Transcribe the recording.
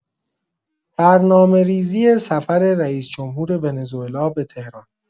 برنامه‌ریزی سفر رئیس‌جمهور ونزوئلا به تهران